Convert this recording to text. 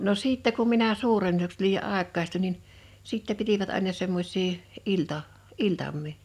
no sitten kun minä suuremmaksi tulin ja aikuistuin niin sitten pitivät aina semmoisia - iltamia